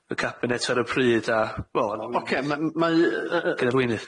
cabinet ar y pryd a wel... Oce, ma' m- mae yy yy... gyn-arweinydd.